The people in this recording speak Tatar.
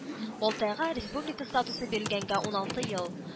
Балтайга республика статусы бирелгәнгә уналты ел